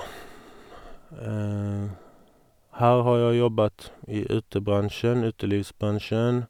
Her har jeg jobbet i utebransjen utelivsbransjen.